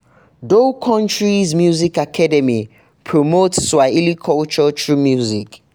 Dhow Countries Music Academy promotes Swahili culture through music